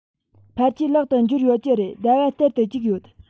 ཕལ ཆེར ལག ཏུ འབྱོར ཡོད ཀྱི རེད ཟླ བར སྟེར དུ བཅུག ཡོད